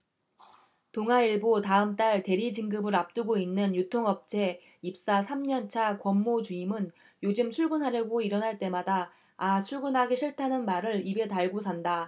동아일보 다음 달 대리 진급을 앞두고 있는 유통업체 입사 삼 년 차 권모 주임은 요즘 출근하려고 일어날 때마다 아 출근하기 싫다는 말을 입에 달고 산다